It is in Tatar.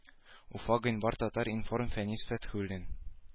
Уфа гыйнвар татар-информ фәнис фәтхуллин